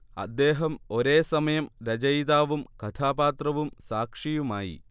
അദ്ദേഹം ഒരേസമയം രചയിതാവും കഥാപാത്രവും സാക്ഷിയുമായി